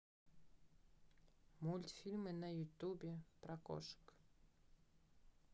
мультфильмы на ютубе про кошек